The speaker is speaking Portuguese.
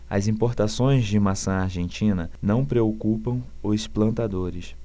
as importações de maçã argentina não preocupam os plantadores